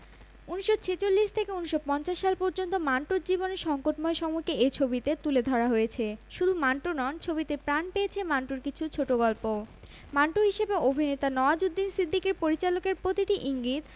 এরপর একে একে ছবির সবাইকে মঞ্চে তুলে আনেন ফ্রেমো নন্দিতা ধন্যবাদ জানান তার বাবা চিত্রকর যতীন দাসকে তিনি বলেন আমার জীবনের আমার পরিবারের মান্টো তিনি